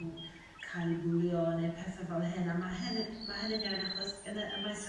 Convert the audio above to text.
ca'l i bwlio neu petha' fel hyn a ma' hyn ma' hynny'n iawn iawn achos yn y maes yr